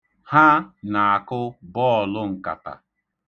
Ha na-akụ bọọlụ nkata.